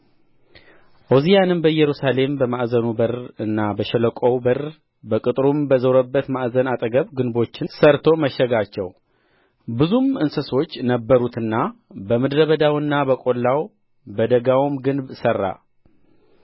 ዖዝያንም በኢየሩሳሌም በማዕዘኑ በርና በሸለቆው በር ቅጥሩም በዞረበት ማዕዘን አጠገብ ግንቦችን ሠርቶ መሸጋቸው ብዙም እንስሶች ነበሩበትና በምድረ በዳና በቈላው በደጋውም ግንብ ሠራ